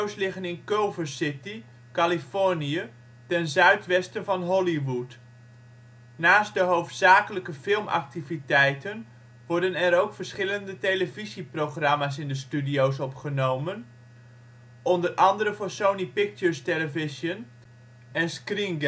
's liggen in Culver City, Californië ten zuidwesten van Hollywood. Naast de hoofdzakelijke filmactiviteiten worden er ook verschillende televisieprogramma 's in de studio 's opgenomen, onder andere voor Sony Pictures Television en Screen